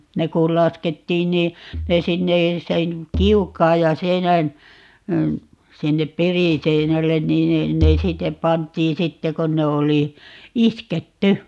ne kun laskettiin niin ne sinne sen kiukaan ja seinän sinne periseinälle niin ne ne sitten pantiin sitten kun ne oli isketty